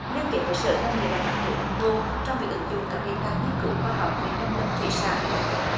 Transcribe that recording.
liên kết với sở nông nghiệp và phát triển nông thôn trong việc ứng dụng các đề tài nghiên cứu khoa học về nông lâm thủy sản